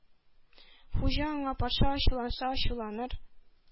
Хуҗа аңа: Патша ачуланса ачуланыр,